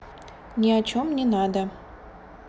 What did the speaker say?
ни о чем не надо